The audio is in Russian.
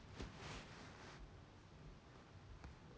решала программа решала